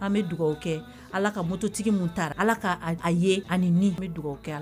An bɛ dugawu kɛ ala ka mototigi min taara ala ka a ye ani ni an bɛ dugawu kɛ la